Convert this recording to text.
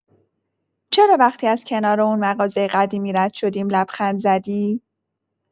چرا وقتی از کنار اون مغازه قدیمی رد شدیم لبخند زدی؟